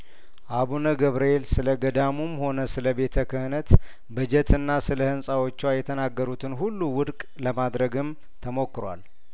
አቡነ ገብርኤል ስለገዳሙም ሆነ ስለቤተ ክህነት በጀትና ስለህንጻዎቿ የተናገሩትን ሁሉ ውድቅ ለማድረግም ተሞክሯል